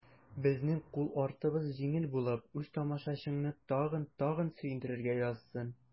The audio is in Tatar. Безнең кул артыбыз җиңел булып, үз тамашачыңны тагын-тагын сөендерергә язсын.